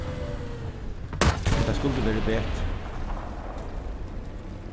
tað skuldi verið betri